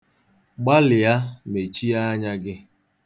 Gbalịa, mechie anya gị.